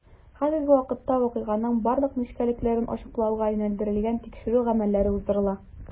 Хәзерге вакытта вакыйганың барлык нечкәлекләрен ачыклауга юнәлдерелгән тикшерү гамәлләре уздырыла.